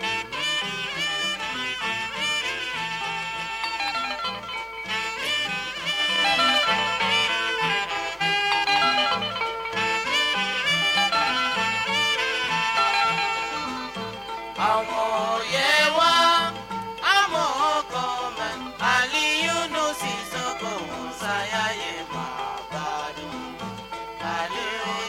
Mɛ a yen wa faama mɔ kun ali yodo sisango saya ye badugu fa